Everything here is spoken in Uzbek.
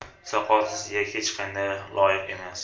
soqolsiz iyak hech qanday loyiq emas